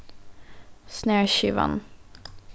snarskivan